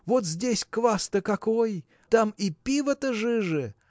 Вот здесь квас-то какой, а там и пиво-то жиже